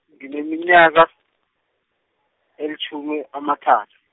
ngineminyaka, elitjhumi amathathu.